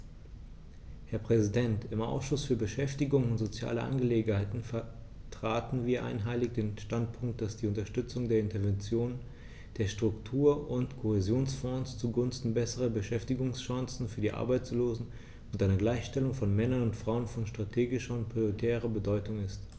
Herr Präsident, im Ausschuss für Beschäftigung und soziale Angelegenheiten vertraten wir einhellig den Standpunkt, dass die Unterstützung der Interventionen der Struktur- und Kohäsionsfonds zugunsten besserer Beschäftigungschancen für die Arbeitslosen und einer Gleichstellung von Männern und Frauen von strategischer und prioritärer Bedeutung ist.